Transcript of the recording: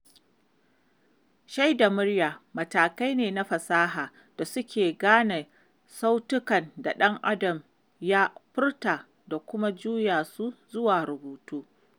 Shaida murya matakai ne na fasaha da suke gane sautukan da ɗan-adam ya furta da kuma juya su zuwa rubutu.